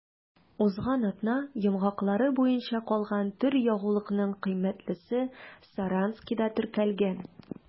Узган атна йомгаклары буенча калган төр ягулыкның кыйммәтлесе Саранскида теркәлгән.